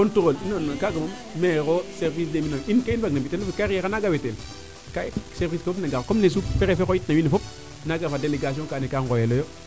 controle non non kaaga moom maire o service des mines yo in ke i mbaag na mbi te refu ye carriere a naanga wetel ka service ke fop na ngara comme prefet xoyit na wiin we fop naga refe delegation kaa ando naye ka ngyelo yo